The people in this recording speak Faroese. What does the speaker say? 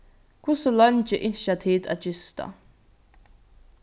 hvussu leingi ynskja tit at gista